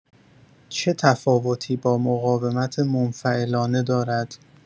چه تفاوتی با مقاومت منفعلانه دارد؟